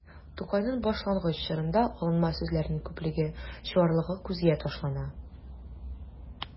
Тукайның башлангыч чорында алынма сүзләрнең күплеге, чуарлыгы күзгә ташлана.